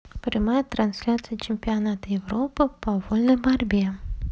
прямая трансляция чемпионата европы по вольной борьбе